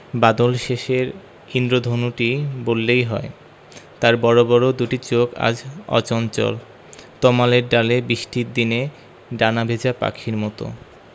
বাদলশেষের ঈন্দ্রধনুটি বললেই হয় তার বড় বড় দুটি চোখ আজ অচঞ্চল তমালের ডালে বৃষ্টির দিনে ডানা ভেজা পাখির মত